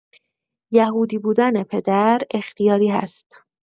یهودی بودن پدر اختیاری هست